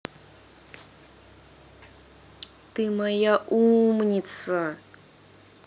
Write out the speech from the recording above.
ты моя умница